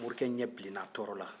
morike ɲɛ bilenna a tɔɔrɔ la